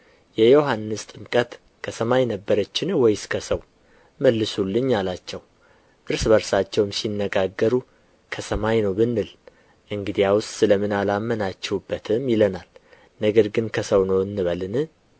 የዮሐንስ ጥምቀት ከሰማይ ነበረችን ወይስ ከሰው መልሱልኝ አላቸው እርስ በርሳቸውም ሲነጋገሩ ከሰማይ ነው ብንል እንግዲያውስ ስለ ምን አላመናችሁበትም ይለናል ነገር ግን ከሰው ነው እንበልን